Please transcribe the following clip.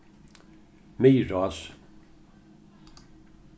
miðrás